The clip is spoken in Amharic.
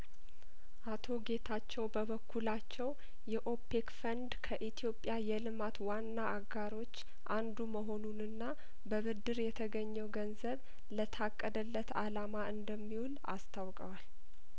አቶ ጌታቸው በበኩላቸው የኦፔክ ፈንድ ከኢትዮጵያ የልማት ዋና አጋሮች አንዱ መሆኑንና በብድር የተገኘው ገንዘብ ለታቀደለት አላማ እንደሚውል አስታውቀዋል